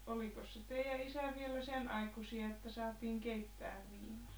olikos se teidän isä vielä sen aikaisia että saatiin keittää viinaa